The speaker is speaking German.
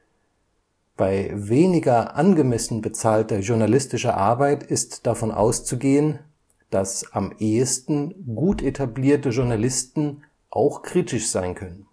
Bei weniger (angemessen) bezahlter journalistischer Arbeit ist davon auszugehen, dass am ehesten gut etablierte Journalisten auch kritisch sein können